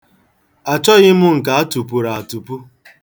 Achọghị m nke a tụpuru atụpu.